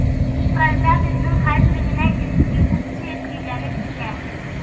Штатларда безнең хәзер генә дистрибуция көйләнеп килә.